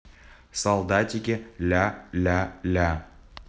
солдатики ля ля ля